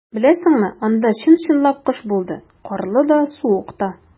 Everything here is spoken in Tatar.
Беләсеңме, анда чын-чынлап кыш булды - карлы да, суык та.